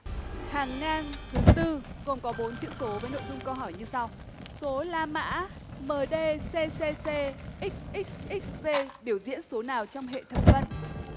hàng ngang thứ tư gồm có bốn chữ số với nội dung câu hỏi như sau số la mã mờ đê xê xê xê ích ích ích vê biểu diễn số nào trong hệ thập phân